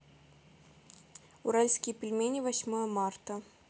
уральские пельмени восьмое марта